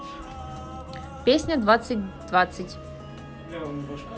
песня двадцать двадцать